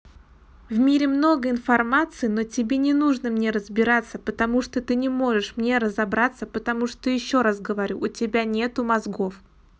в мире много информации но тебе не нужно мне разбираться потому что ты не можешь мне разобраться потому что еще раз говорю у тебя нету мозгов